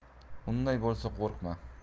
unday bo'lsa qo'rqma